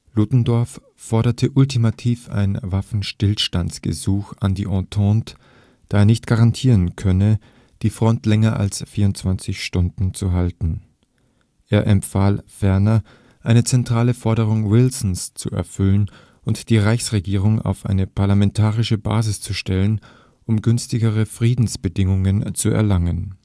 Ludendorff forderte ultimativ ein Waffenstillstandsgesuch an die Entente, da er nicht garantieren könne, die Front länger als 24 Stunden zu halten. Er empfahl ferner, eine zentrale Forderung Wilsons zu erfüllen und die Reichsregierung auf eine parlamentarische Basis zu stellen, um günstigere Friedensbedingungen zu erlangen